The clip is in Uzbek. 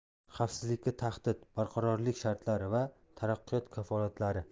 xavfsizlikka tahdid barqarorlik shartlari va taraqqiyot kafolatlari